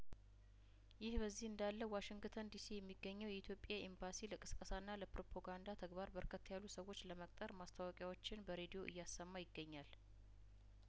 ይህ በዚህ እንዳለ ዋሽንግተን ዲሲ የሚገኘው የኢትዮጵያ ኤምባሲ ለቅስቀሳና ለፕሮፓጋንዳ ተግባር በርከት ያሉ ሰዎች ለመቅጠር ማስታወቂያዎችን በሬዲዮ እያሰማ ይገኛል